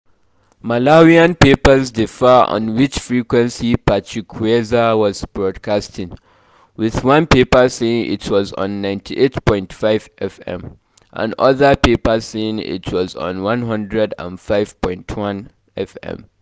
Malawian papers differ on which frequency Pachikweza was broadcasting, with one paper saying it was on 98.5FM, and another paper saying it was on 105.1FM.